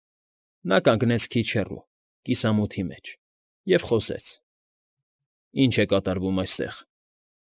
Նա կանգնեց քիչ հեռու, կիսամութի մեջ, և խոսեց. ֊ Ի՞նչ է կատարվում այստեղ։